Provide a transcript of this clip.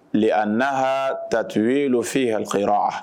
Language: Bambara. Le a n'a h tato yefi yen hakɛyɔrɔ a